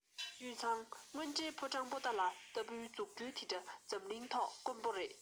ཞུས ཙང དངོས འབྲེལ ཕོ བྲང པོ ཏ ལ ལྟ བུའི འཛུགས སྐྲུན དེ འདྲ འཛམ གླིང ཐོག དཀོན པོ རེད